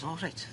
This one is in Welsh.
O reit.